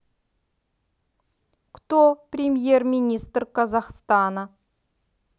кто премьер министр казахстана